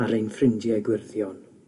ar ein ffrindie gwyrddion.